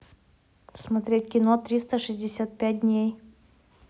смотреть кино триста шестьдесят пять дней